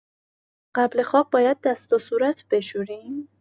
قبل خواب باید دست و صورت بشوریم؟